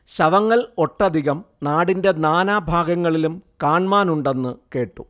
ശവങ്ങൾ ഒട്ടധികം നാടിന്റെ നാനാഭാഗങ്ങളിലും കാൺമാനുണ്ടെന്നു കേട്ടു